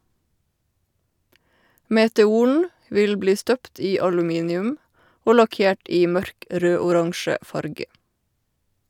Meteoren vil bli støpt i aluminium og lakkert i mørk rød-oransje farge.